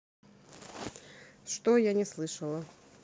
что я не слышала